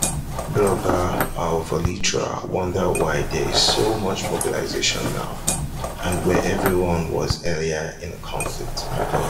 Blogger Avylavitra wonders why there is so much mobilization now and where everyone was earlier in the conflict (mg) ?